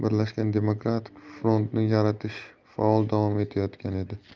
birlashgan demokratik frontni yaratish faol davom etayotgan edi